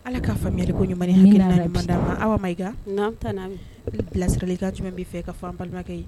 Ala ka faamuyali ko ɲuman ni hakili ɲuman di aw ma. Awa Mayiga bilasirali kan jumɛn bi fɛ ka fɔ an balimakɛ ye?